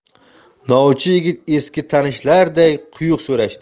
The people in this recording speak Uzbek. novcha yigit eski tanishlarday quyuq so'rashdi